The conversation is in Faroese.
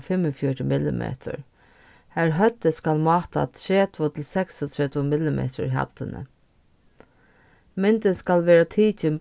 fimmogfjøruti millimetur har høvdið skal máta tretivu til seksogtretivu millimetur í hæddini myndin skal vera tikin